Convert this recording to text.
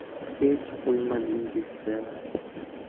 hech qo'ymadingiz da